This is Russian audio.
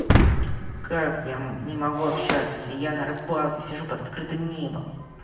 как я не могу общаться если я на рыбалке сижу под открытым небом